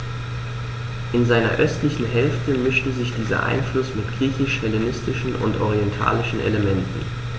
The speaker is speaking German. In seiner östlichen Hälfte mischte sich dieser Einfluss mit griechisch-hellenistischen und orientalischen Elementen.